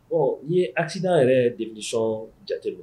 Ɔ n ye ati n'a yɛrɛ desɔn jate don